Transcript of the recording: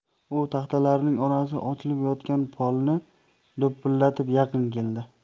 u taxtalarining orasi ochilib yotgan polni do'pillatib yaqin keldi